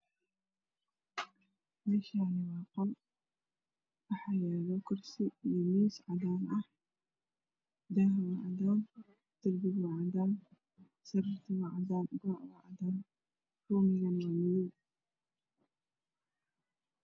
Meeshaan waa qol waxaa yaalo miis iyo kursi cadaan ah, daaha waa baroon, darbiga waa cadaan sariirtu waa cadaan, fadhigana waa madow.